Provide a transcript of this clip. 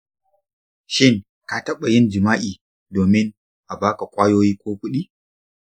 shin ka taɓa yin jima'i domin a ba ka ƙwayoyi ko kuɗi?